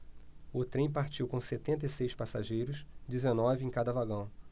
o trem partiu com setenta e seis passageiros dezenove em cada vagão